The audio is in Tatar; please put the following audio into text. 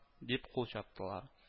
Дип кул чаптылар